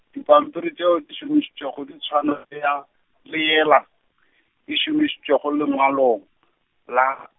dipampiri tšeo di šomišitšego di tšhwana le ya, le yela, e šomišitšego lengwalong , la.